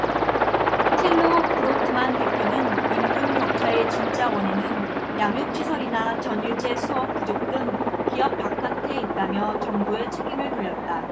틸로 브로트만 대표는 임금 격차의 진짜 원인은 양육 시설이나 전일제 수업 부족 등 기업 바깥에 있다며 정부에 책임을 돌렸다